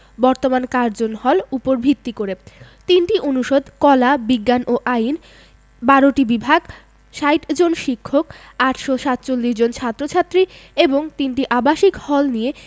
বর্তমান Curzon hall উপর ভিত্তি করে ৩টি অনুষদ কলা বিজ্ঞান ও আইন ১২টি বিভাগ ৬০ জন শিক্ষক ৮৪৭ জন ছাত্র ছাত্রী এবং ৩টি আবাসিক হল নিয়ে